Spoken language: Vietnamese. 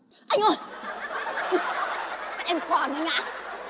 anh ơi em còn anh ạ